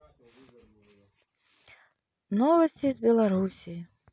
новости из белоруссии